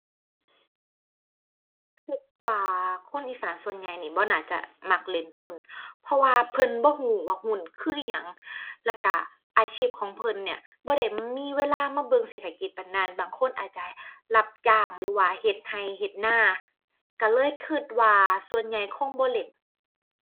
คิดว่าคนอีสานส่วนใหญ่นี้บ่น่าจะมักเล่นหุ้น เพราะว่าเพิ่นบ่คิดว่าหุ้นคืออิหยัง แล้วคิดอาชีพของเพิ่นเนี่ย บ่ได้มีเวลามาเบิ่งเศรษฐกิจปานนั้น บางคนอาจจะรับจ้างหรือว่าเฮ็ดคิดเฮ็ดนา คิดเลยคิดว่าส่วนใหญ่คงบ่เล่น